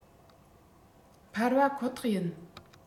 འཕར བ ཁོ ཐག ཡིན